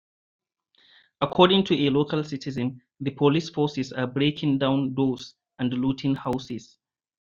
According to a local citizen, the police forces are breaking down doors and looting houses.